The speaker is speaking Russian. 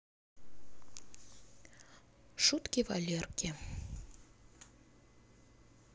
шутки валерки